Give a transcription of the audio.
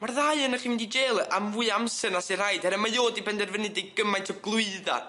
Ma'r ddau onoch chi mynd i jêl yy am fwy o amser na sy rhaid ere mae o di benderfynu deu gymaint o glwydda.